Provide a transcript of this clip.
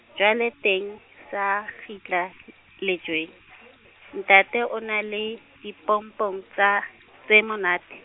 jwale teng sa, kgitla l-, lejweng , ntate, o na le dipompong tsa, tse monate.